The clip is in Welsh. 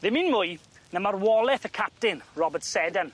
Ddim un mwy na marwoleth y capten, Robert Sedan.